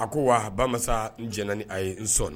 A ko wa bamasa n jɛna ni a ye n sɔn